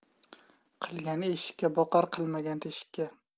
qilgan eshikka boqar qilmagan teshikka